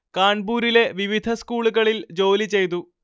കാൺപൂരിലെ വിവിധ സ്കൂളുകളിൽ ജോലി ചെയ്തു